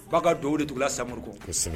Fa ka duwawu de tugula Samori kɔ kosɛbɛ